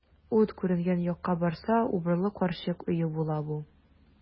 Ут күренгән якка барса, убырлы карчык өе була бу.